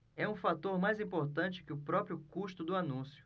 é um fator mais importante que o próprio custo do anúncio